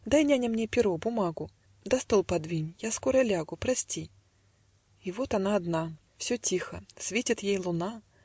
Дай, няня, мне перо, бумагу, Да стол подвинь; я скоро лягу; Прости". И вот она одна. Все тихо. Светит ей луна.